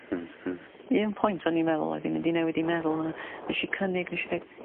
Hmm hmm. Un point o'n i'n meddwl oedd 'i mynd i newid 'i meddwl a nesh i cynnig nesh i deu'